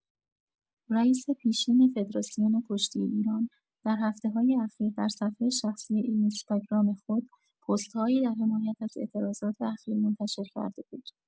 رئیس پیشین فدراسیون کشتی ایران در هفته‌های اخیر در صفحه شخصی اینستاگرام خود پست‌هایی در حمایت از اعتراضات اخیر منتشر کرده بود.